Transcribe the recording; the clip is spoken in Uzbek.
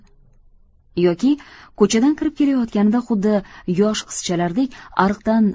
yoki ko'chadan kirib kelayotganida xuddi yosh qizchalardek ariqdan